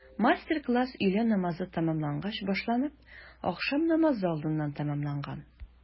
Мастер-класс өйлә намазы тәмамлангач башланып, ахшам намазы алдыннан тәмамланган.